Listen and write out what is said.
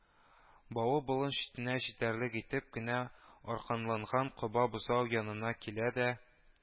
Бавы болын читенә җитәрлек итеп кенә арканланган коба бозау янына килә дә